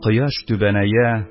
Кояш түбәнәя,